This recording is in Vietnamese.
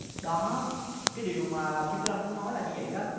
đó cái điều mà kim tử long muốn nói là như vậy đó